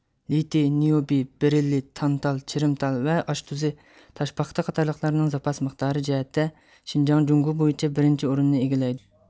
لىتېي نىئوبىي بېرىللىي تانتال چىرىمتال ۋە ئاشتۇزى تاشپاختا قاتارلىقلارنىڭ زاپاس مىقدارى جەھەتتە شىنجاڭ جۇڭگو بويىچە بىرىنچى ئورۇننى ئىگىلەيدۇ